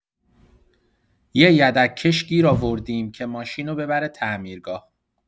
یه یدک‌کش گیر آوردیم که ماشینو ببره تعمیرگاه.